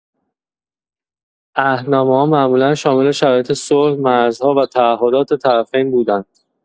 عهدنامه‌ها معمولا شامل شرایط صلح، مرزها و تعهدات طرفین بودند.